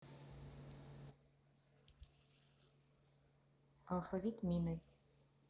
алфавит мины